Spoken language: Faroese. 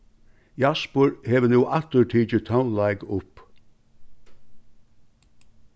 jaspur hevur nú aftur tikið tónleik upp